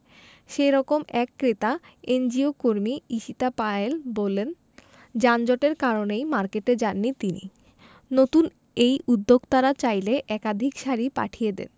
সে রকম এক ক্রেতা এনজিওকর্মী ঈশিতা পায়েল বলেন যানজটের কারণেই মার্কেটে যাননি তিনি নতুন এই উদ্যোক্তারা চাইলে একাধিক শাড়ি পাঠিয়ে দেন